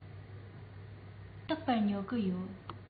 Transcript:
རྟག པར ཉོ གི ཡོད